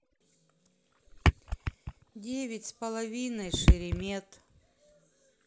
девять с половиной шеремет